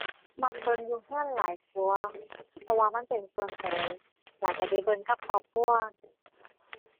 มักเบิ่งอยู่เรือนหลายกว่า เพราะว่ามันเป็นส่วนเรือน แล้วเรือนได้เบิ่งกับครอบครัว